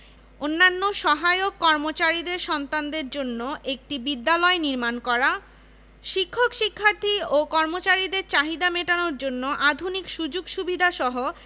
বর্তমান পরিকল্পনার মধ্যে আছে একটি মিলনায়তন ছাত্রদের জন্য সাতটি ছাত্রাবাস ও ছাত্রীদের জন্য তিনটি ছাত্রীনিবাস একটি স্টেডিয়াম সুইমিং পুলসহ একটি ক্রীড়া কমপ্লেক্স